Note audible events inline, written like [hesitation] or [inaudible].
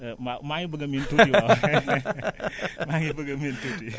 [hesitation] waaw maa ngi bëgg a miin tuuti [laughs] waaw [laughs] maa ngi bëgg a miin tuuti